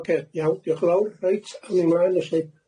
Ocê iawn diolch yn fawr reit awn ni ymlaen felly.